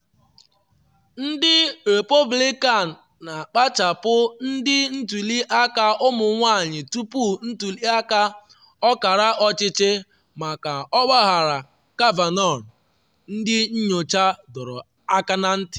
Ndị Repọblikan Na-akpachapụ Ndị Ntuli Aka Ụmụ-nwanyị Tupu Ntuli Aka Ọkara Ọchịchị Maka Ọgbaghara Kavanaugh, Ndị Nyocha Dọrọ Aka na Ntị